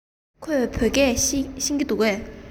ཁོས བོད སྐད ཤེས ཀྱི འདུག གས